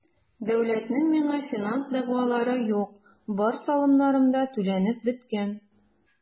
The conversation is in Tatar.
Дәүләтнең миңа финанс дәгъвалары юк, бар салымнарым түләнеп беткән.